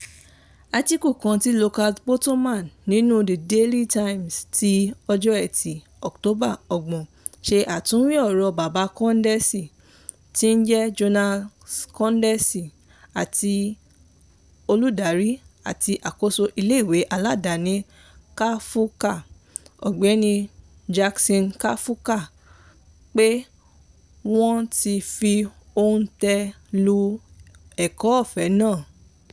Átíkù kan tí Lucas Bottoman nínu The Daily Times ti Friday October 30th ṣe àtúnwí ọ̀rọ̀ bàba Kondesi, tó ń jẹ́ Jonas Kondesi, àti Olùdarí àti àkóso Iléèwé aládání Kaphuka, Ọ̀gbéni Jackson Kaphuka, pé wọ́n ti fi oǹtẹ̀ lu ẹ̀kọ́ ọ̀fẹ́ nàá.